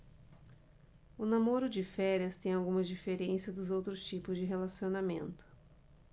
o namoro de férias tem algumas diferenças dos outros tipos de relacionamento